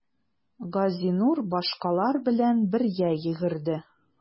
Газинур башкалар белән бергә йөгерде.